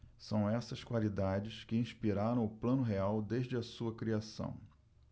são essas qualidades que inspiraram o plano real desde a sua criação